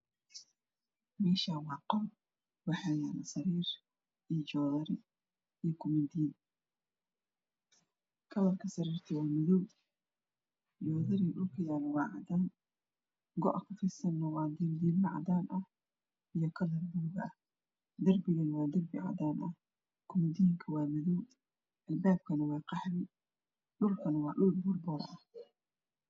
Meeshaan waa qol waxaa yaale sariir iyo joowari iyo koomba diin kalarka sariirta waa madow joodariga dhulka yaalo waa cadaan go a ku fidsan waa diirdiirmo cadaan ah iyo kalar buluug ah darbigana wa darbi cadaan ah koomba diinka waa madow albaabkana waa qaxwi dhulkana waa dhul buur hoose